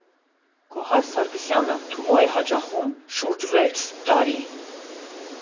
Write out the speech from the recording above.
Գոհար Սարգսյանը Թումո է հաճախում շուրջ վեց տարի։